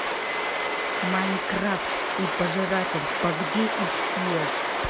minecraft и пожиратель по где их съел